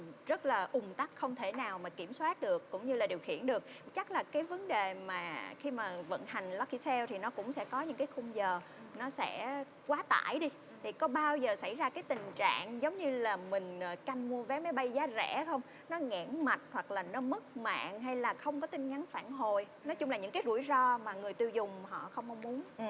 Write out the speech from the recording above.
rất là ùn tắc không thể nào mà kiểm soát được cũng như là điều khiển được chắc là cái vấn đề mà khi mà vận hành lắc ky theo thì nó cũng sẽ có những cái khung giờ nó sẽ quá tải đi thì có bao giờ xảy ra cái tình trạng giống như là mình tranh mua vé máy bay giá rẻ không nó nghẽn mạch hoặc là nó mất mạng hay là không có tin nhắn phản hồi nói chung là những cái rủi ro mà người tiêu dùng họ không mong muốn